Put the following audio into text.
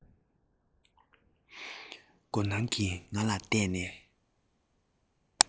སྐྱོ སྣང གིས ང ལ བལྟས བྱུང